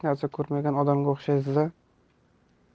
narsa ko'rmagan odamga o'xshaysiz a